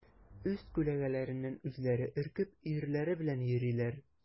Үз күләгәләреннән үзләре өркеп, өерләре белән йөриләр.